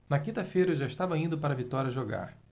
na quinta-feira eu já estava indo para vitória jogar